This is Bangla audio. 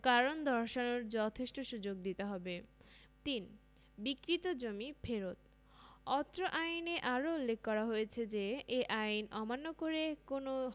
কারণ দর্শানোর যথেষ্ট সুযোগ দিতে হবে ৩ বিক্রীত জমি ফেরত অত্র আইনে আরো উল্লেখ করা হয়েছে যে এ আইন অমান্য করে কোনও